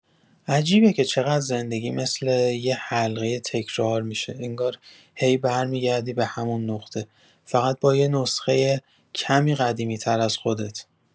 عجیبه که چقدر زندگی مثل یه حلقه تکرار می‌شه، انگار هی برمی‌گردی به همون نقطه، فقط با یه نسخۀ کمی قدیمی‌تر از خودت.